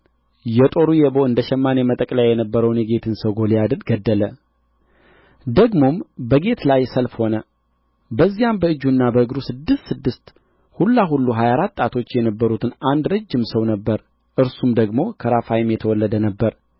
የጦሩ የቦ እንደ ሸማኔ መጠቅለያ የነበረውን የጌት ሰው ጎልያድን ገደለ ደግሞም በጌት ላይ ሰልፍ ሆነ በዚያም በእጁና በእግሩ ስድስት ስድስት ሁላሁሉ ሀያ አራት ጣቶች የነበሩት አንድ ረጅም ሰው ነበረ እርሱ ደግሞ ከራፋይም የተወለደ ነበረ